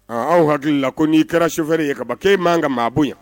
Aw hakili la ko n'i kɛra sufɛere ye kaba e man ka maa bonya yan